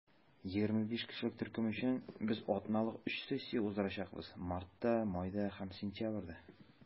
25 кешелек төркем өчен без атналык өч сессия уздырачакбыз - мартта, майда һәм сентябрьдә.